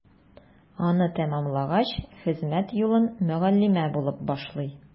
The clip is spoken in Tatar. Аны тәмамлагач, хезмәт юлын мөгаллимә булып башлый.